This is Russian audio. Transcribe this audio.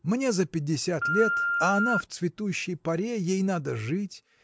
Мне за пятьдесят лет, а она в цветущей поре, ей надо жить